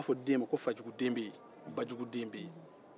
a bɛ fɔ ko fajuguden bɛ yen bajuguden bɛ yen